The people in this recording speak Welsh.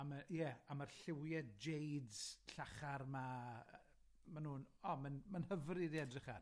A ma' ie, a ma'r lliwie jades llachar 'ma yy ma' nw'n, o, ma'n ma'n hyfryd i edrych ar.